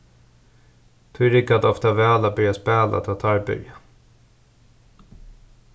tí riggar tað ofta væl at byrja at spæla tá ið teir byrja